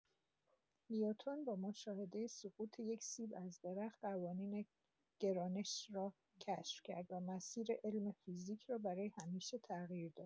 نیوتن با مشاهده سقوط یک سیب از درخت، قوانین گرانش را کشف کرد و مسیر علم فیزیک را برای همیشه تغییر داد.